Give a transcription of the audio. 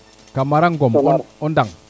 Camara Ngom o ndar